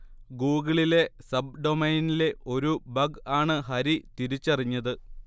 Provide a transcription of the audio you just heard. ഗൂഗിളിലെ സബ് ഡൊമൈനിലെ ഒരു ബഗ് ആണ് ഹരി തിരിച്ചറിഞ്ഞത്